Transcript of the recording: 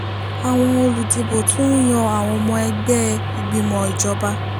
Àwọn olùdìbò tún ń yan àwọn ọmọ ẹgbẹ́ ìgbìmọ̀ ìjọba.